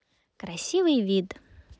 красивый вид